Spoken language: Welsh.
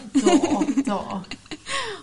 <chwerthin Do do.